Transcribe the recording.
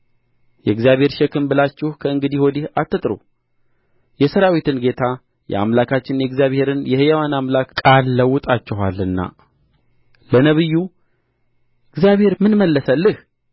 የእግዚአብሔር ሸክም ይሆንበታልና የእግዚአብሔር ሸክም ብላችሁ ከእንግዲህ ወዲህ አትጥሩ የሠራዊትን ጌታ የአምላካችንን የእግዚአብሔርን የሕያውን አምላክ ቃል ለውጣችኋልና ለነቢዩ እግዚአብሔር ምን መለሰልህ